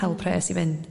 hel pres i fynd.